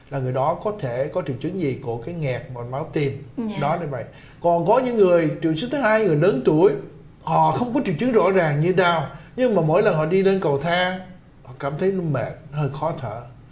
là người đó có thể có triệu chứng gì của cái nghẹt mạch máu tim đó là như vậy còn có những người triệu chứng thứ hai người lớn tuổi họ không có triệu chứng rõ ràng như đau nhưng mà mỗi lần họ đi lên cầu thang hoặc cảm thấy mệt hơi khó thở